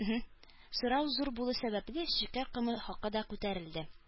Сорау зур булу сәбәпле, шикәр комы хакы да күтәрелде